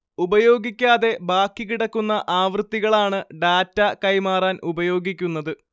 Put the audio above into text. ഉപയോഗിക്കാതെ ബാക്കി കിടക്കുന്ന ആവൃത്തികളാണ് ഡാറ്റാ കൈമാറാൻ ഉപയോഗിക്കുന്നത്